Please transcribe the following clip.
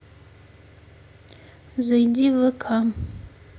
зайди в вк